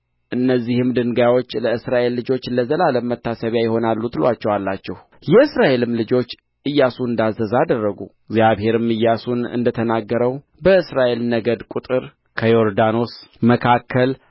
እነዚህም ድንጋዮች ለእስራኤል ልጆች ለዘላለም መታሰቢያ ይሆናሉ ትሉአቸዋላችሁ የእስራኤልም ልጆች ኢያሱ እንዳዘዘ አደረጉ እግዚአብሔርም ኢያሱን እንደ ተናገረው በእስራኤል ነገድ ቍጥር ከዮርኖስ መካከል